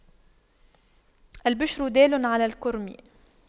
الْبِشْرَ دال على الكرم